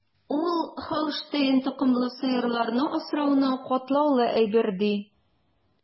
Ул Һолштейн токымлы сыерларны асрауны катлаулы әйбер, ди.